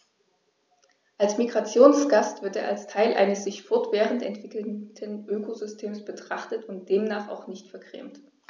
Als Migrationsgast wird er als Teil eines sich fortwährend entwickelnden Ökosystems betrachtet und demnach auch nicht vergrämt.